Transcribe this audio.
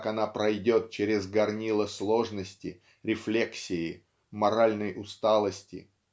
как она пройдет через горнило сложности рефлексии моральной усталости